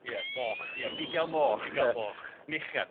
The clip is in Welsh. ...Ia. Moch ia bugail moch bugail moch. Meichiad.